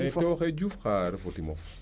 o tewoxe Diouf xa ref o timof